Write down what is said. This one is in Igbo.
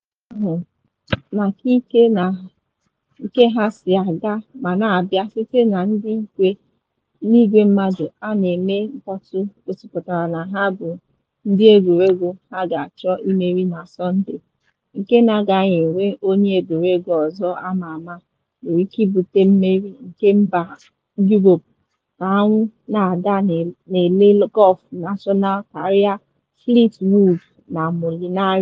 Ọkụkụ ahụ, na ka ike ha si aga ma na-abịa site na ndị igwe mmadụ a na-eme mkpọtụ gosipụtara na ha bụ ndị egwuregwu a ga-achọ imeri na Sọnde, nke n’agaghị enwe onye egwuregwu ọzọ ama ama nwere ike bute mmeri nke mba Europe ka anwụ na-ada na Le Golf National karịa Fleetwood na Molinari.